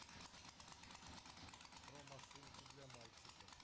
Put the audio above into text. про машинки для мальчиков